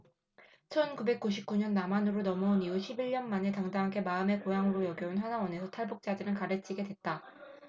천 구백 구십 구 년 남한으로 넘어온 이후 십 일 년 만에 당당하게 마음의 고향으로 여겨온 하나원에서 탈북자들을 가르치게 됐다